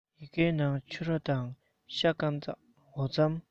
ཡི གེའི ནང ཕྱུར ར དང ཤ སྐམ འོ ཕྱེ